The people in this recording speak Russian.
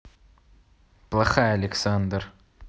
плохая александр